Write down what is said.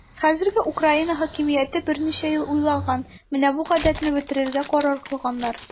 Хәзерге Украина хакимияте берничә ел уйлаган, менә бу гадәтне бетерергә карар кылганнар.